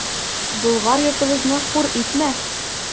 Болгар йортыбызны хур итмә!